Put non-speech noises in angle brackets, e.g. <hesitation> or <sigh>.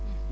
<hesitation> <hesitation>